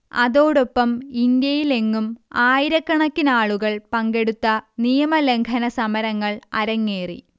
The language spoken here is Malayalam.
അതോടൊപ്പം ഇന്ത്യയിൽ എങ്ങും ആയിരക്കണക്കിനാളുകൾ പങ്കെടുത്ത നിയമലംഘന സമരങ്ങൾ അരങ്ങേറി